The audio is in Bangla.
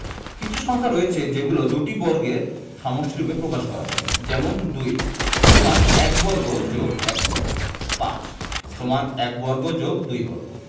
কিছু সংখ্যা রয়েছে যেগুলোকে দুইটি বর্গের সমষ্টিরুপে প্রকাশ করা যায় যেমনঃ ২ সমান ১ বর্গ যোগ ১ বর্গ ৫ সমান ১ বর্গ যোগ ২ বর্গ